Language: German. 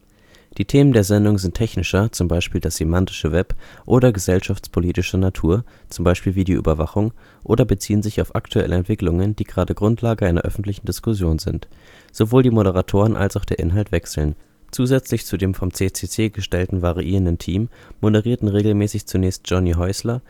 Themen der Sendung sind technischer (zum Beispiel Das Semantische Web) oder gesellschaftspolitischer Natur (zum Beispiel Videoüberwachung) oder beziehen sich auf aktuelle Entwicklungen, die gerade Grundlage einer öffentlichen Diskussion sind. Sowohl die Moderatoren als auch der Inhalt wechseln. Zusätzlich zu dem vom CCC gestellten, variierenden Team moderierten regelmäßig zunächst Johnny Haeusler